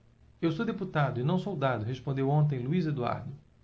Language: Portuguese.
eu sou deputado e não soldado respondeu ontem luís eduardo